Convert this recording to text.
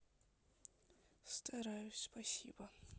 стараюсь спасибо